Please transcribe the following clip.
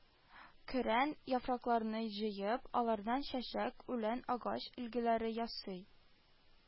Көрән яфракларны җыеп, алардан чәчәк, үлән, агач өлгеләре ясый